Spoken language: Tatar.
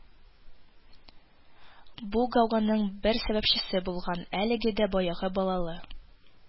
Бу гауганың бер сәбәпчесе булган әлеге дә баягы балалы